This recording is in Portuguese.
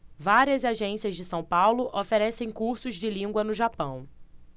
várias agências de são paulo oferecem cursos de língua no japão